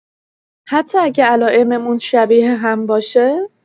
حتی اگه علائممون شبیه هم باشه؟